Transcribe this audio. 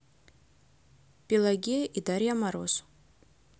пелагея и дарья мороз